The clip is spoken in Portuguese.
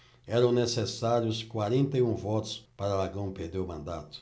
eram necessários quarenta e um votos para aragão perder o mandato